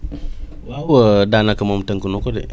waaw daanaka moom tënk na ko de